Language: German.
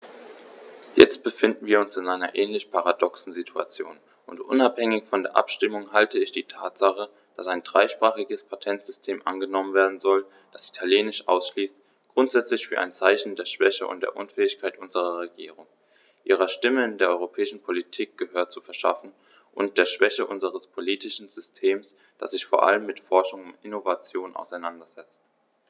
Jetzt befinden wir uns in einer ähnlich paradoxen Situation, und unabhängig von der Abstimmung halte ich die Tatsache, dass ein dreisprachiges Patentsystem angenommen werden soll, das Italienisch ausschließt, grundsätzlich für ein Zeichen der Schwäche und der Unfähigkeit unserer Regierung, ihrer Stimme in der europäischen Politik Gehör zu verschaffen, und der Schwäche unseres politischen Systems, das sich vor allem mit Forschung und Innovation auseinandersetzt.